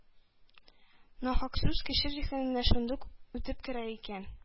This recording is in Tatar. Нахак сүз кеше зиһененә шундук үтеп керә икән,